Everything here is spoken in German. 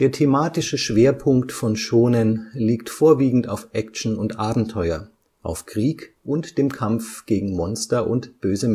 thematische Schwerpunkt von Shōnen liegt vorwiegend auf Action und Abenteuer, auf Krieg und dem Kampf gegen Monster und böse